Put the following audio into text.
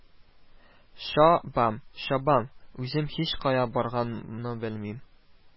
Ча-бам-чабам, үзем һичкая барганымны белмим